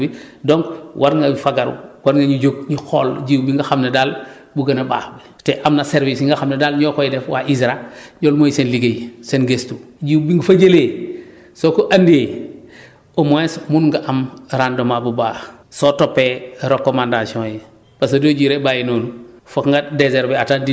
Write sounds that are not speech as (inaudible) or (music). dañu bugg a def pour ñu wàññi doole changement climatique bi (breath) donc war ngay fagaru war nañu jóg ñu xool jiw bi nga xam ne daal (breath) bu gën a baax te am na services yi nga xam ne daal ñoo koy def waa ISRA (breath) loolu mooy seen liggéey seen gëstu jiw bi nga fa jëlee soo ko andee (breath) au moins mun nga am rendement bu baax soo toppee recommandations yi